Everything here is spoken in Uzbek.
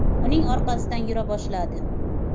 uning orqasidan yura boshladi